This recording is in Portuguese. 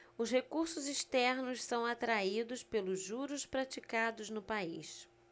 os recursos externos são atraídos pelos juros praticados no país